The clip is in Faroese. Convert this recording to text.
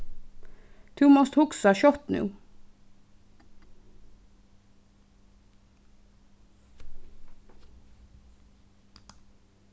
tú mást hugsa skjótt nú